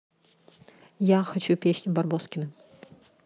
я хочу песню барбоскины